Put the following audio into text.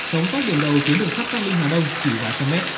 sống cách điểm đầu tuyến đường sắt cát linh hà đông chỉ vài trăm mét